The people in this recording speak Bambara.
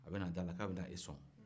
a bɛ na dala k'a bɛna e son